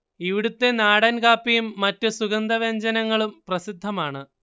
ഇവിടുത്തെ നാടൻ കാപ്പിയും മറ്റു സുഗന്ധവ്യഞ്ജനങ്ങളും പ്രസിദ്ധമാണ്